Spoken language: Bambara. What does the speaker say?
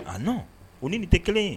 A na o ni nin tɛ kelen ye